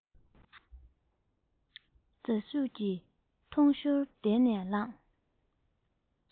ཇ ཤུགས ཀྱིས འཐུང ཞོར གདན ལས ལངས